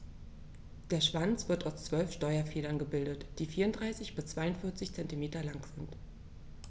Der Schwanz wird aus 12 Steuerfedern gebildet, die 34 bis 42 cm lang sind.